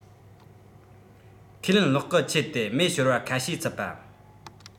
ཁས ལེན གློག སྐུད ཆད དེ མེ ཤོར བ ཁ ཤས ཚུད པ